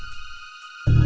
nếu